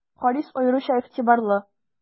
Харис аеруча игътибарлы.